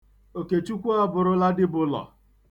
Okechukwu abụrụla dibụlọ.